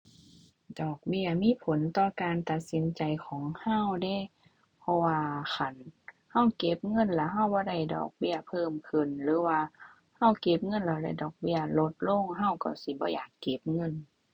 ดอกเบี้ยมีผลต่อการตัดสินใจของเราเดะ เพราะว่าคันเราเก็บเงินแล้วเราบ่ได้ดอกเบี้ยเพิ่มขึ้น หรือว่าเราเก็บเงินแล้วได้ดอกเบี้ยลดลง เราเราสิบ่อยากเก็บเงิน